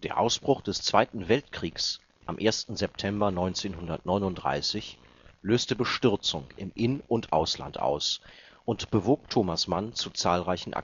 Ausbruch des Zweiten Weltkriegs am 1. September 1939 löste Bestürzung im In - und Ausland aus und bewog Thomas Mann zu zahlreichen